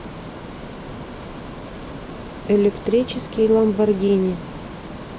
электрический ламборгини